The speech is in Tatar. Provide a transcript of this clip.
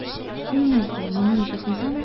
Син нәрсә, мине ишетмисеңме?